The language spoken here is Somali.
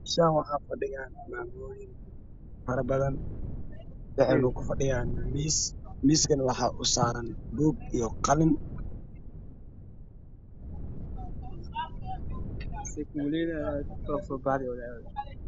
Meshaan waxa fadhiyo maamootin waxay ku fadhiyaan miis waxaa u saaran buug iyo qalin